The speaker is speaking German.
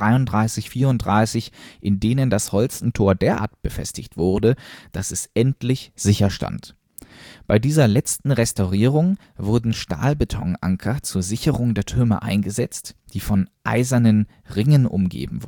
1933 / 34, in denen das Holstentor derart befestigt wurde, dass es endlich sicher stand. Bei dieser letzten Restaurierung wurden Stahlbetonanker zur Sicherung der Türme eingesetzt, die von eisernen Ringen umgeben